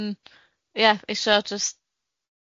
ia isho jyst